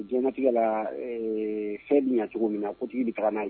Jtigɛ la fɛn bɛ ɲɛ cogo min na kotigi bɛ taa n' ye